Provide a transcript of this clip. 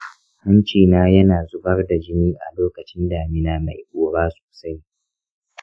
hanci na yana zubar da jini a lokacin damina mai ƙura sosai.